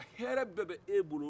hɛrɛ bɛɛ g'e bolo